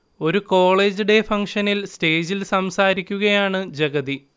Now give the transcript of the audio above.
ഒരു college day ഫംഗ്ഷനിൽ സ്റ്റേജിൽ സംസാരിക്കുകയാണ് ജഗതി